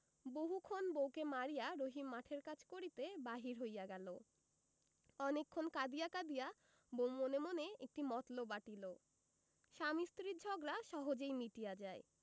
বহুক্ষণ বউকে মারিয়া রহিম মাঠের কাজ করিতে বাহির হইয়া গেল অনেকক্ষণ কাঁদিয়া কাঁদিয়া বউ মনে মনে একটি মতলব আঁটিল স্বামী স্ত্রীর ঝগড়া সহজেই মিটিয়া যায়